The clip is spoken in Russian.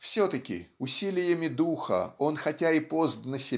все-таки усилиями духа он хотя и поздно